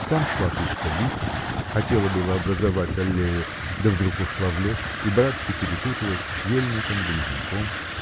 там шла кучка лип, хотела было образовать аллею, да вдруг ушла в лес и братски перепуталась с ельником, березняком.